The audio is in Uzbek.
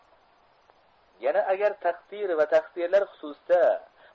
yana agar taqdir va taqdirlar xususida